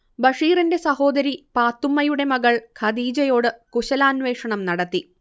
ബഷീറിന്റെ സഹോദരി പാത്തുമ്മയുടെ മകൾ ഖദീജയോട് കുശലാന്വേഷണം നടത്തി